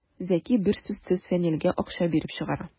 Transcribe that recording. Зәки бер сүзсез Фәнилгә акча биреп чыгара.